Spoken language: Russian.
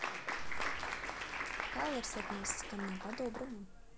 colors относится ко мне по доброму